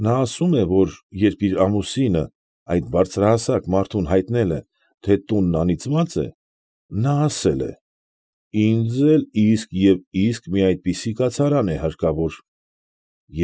Նա ասում է, որ երբ իր ամուսինը այդ բարձրահասակ մարդուն հայտնել է, թե տունն անիծված է, նա ասել է, «Ինձ էլ իսկ և իսկ մի այդպիսի կացարան է հարկավոր»։